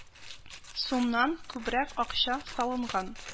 Сумнан күбрәк акча салынган